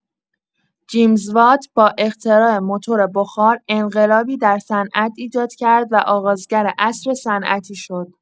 جیمز وات با اختراع موتور بخار، انقلابی در صنعت ایجاد کرد و آغازگر عصر صنعتی شد.